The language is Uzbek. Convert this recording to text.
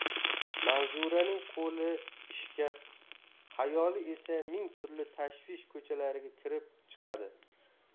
manzuraning qo'li ishda xayoli esa ming turli tashvish ko'chalariga kirib chiqadi